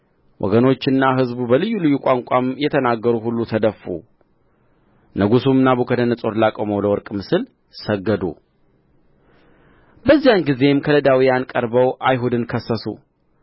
ወገኖችና አሕዛብ በልዩ ልዩ ቋንቋም የተናገሩ ሁሉ ተደፉ ንጉሡም ናቡከደነፆር ላቆመው ለወርቅ ምስል ሰገዱ በዚያን ጊዜም ከለዳውያን ቀርበው አይሁድን ከሰሱ